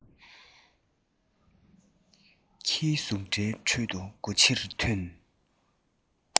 ཁྱིའི ཟུག སྒྲའི ཁྲོད དུ སྒོ ཕྱིར ཐོན